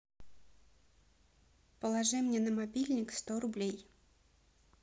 положи мне на мобильник сто рублей